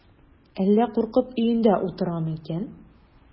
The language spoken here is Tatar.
Әллә куркып өендә утырамы икән?